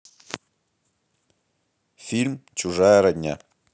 фильм чужая родня